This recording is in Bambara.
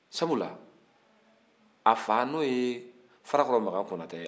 sabula a fa n'o ye farakɔrɔ makan konatɛ